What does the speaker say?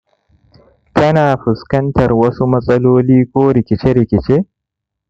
kana fuskantar wasu matsaloli ko rikice-rikice?